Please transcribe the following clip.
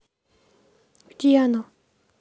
где оно